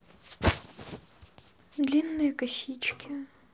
длинные косички